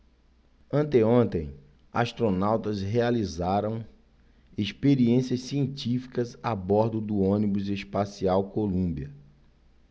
anteontem astronautas realizaram experiências científicas a bordo do ônibus espacial columbia